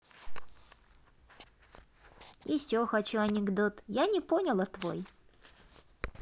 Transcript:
еще хочу анекдот я не поняла твой